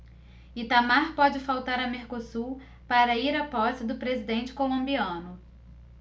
itamar pode faltar a mercosul para ir à posse do presidente colombiano